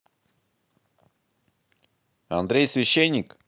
андрей священник